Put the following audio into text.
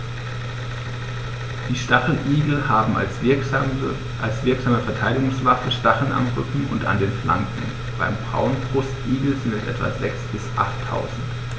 Die Stacheligel haben als wirksame Verteidigungswaffe Stacheln am Rücken und an den Flanken (beim Braunbrustigel sind es etwa sechs- bis achttausend).